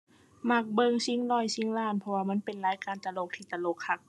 มักเบิ่งชิงร้อยชิงล้าน เพราะว่ามันเป็นรายการตลกที่ตลกคัก